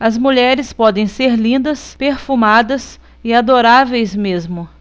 as mulheres podem ser lindas perfumadas e adoráveis mesmo